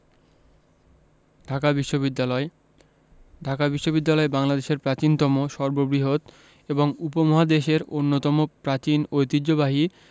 ঢাকা বিশ্ববিদ্যালয় ঢাকা বিশ্ববিদ্যালয় বাংলাদেশের প্রাচীনতম সর্ববৃহৎ এবং উপমহাদেশের অন্যতম প্রাচীন ঐতিহ্যবাহী